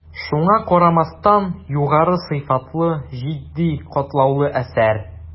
Шуңа карамастан, югары сыйфатлы, житди, катлаулы әсәр.